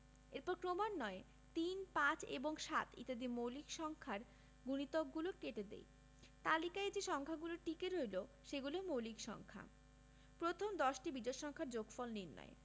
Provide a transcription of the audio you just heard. এরপর ক্রমান্বয়ে ৩ ৫ এবং ৭ ইত্যাদি মৌলিক সংখ্যার গুণিতকগুলো কেটে দিই তালিকায় যে সংখ্যাগুলো টিকে রইল সেগুলো মৌলিক সংখ্যা প্রথম দশটি বিজোড় সংখ্যার যোগফল নির্ণয়